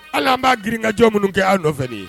Hali an b'a girin kajɔ minnu kɛ aw nɔfɛ nin ye